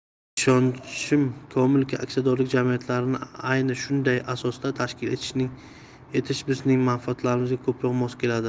ishonchim komilki aksiyadorlik jamiyatlarini ayni shunday asosda tashkil etish bizning manfaatlarimizga ko'proq mos keladi